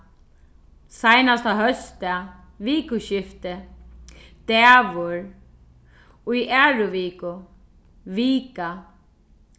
seinasta hósdag vikuskifti dagur í aðru viku vika